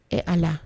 E allah